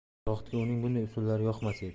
zohidga uning bunday usulllari yoqmas edi